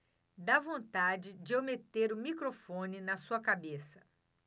dá vontade de eu meter o microfone na sua cabeça